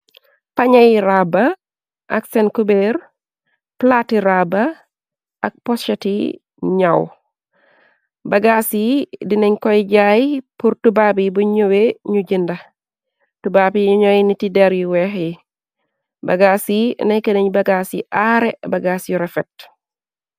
Pañay raabba ak seen coubeer, plaati raaba ak pochati ñaw , bagaas yi dinañ koy jaay pur tubaab yi bu ñëwe ñu jënda. Tubaab yi ñooy niti der yu weex yi , bagaas yi nay keneñ bagaas yi aare bagaas yu refet.